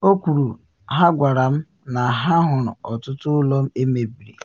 O kwuru “ha gwara m na ha hụrụ ọtụtụ ụlọ emebiri,”.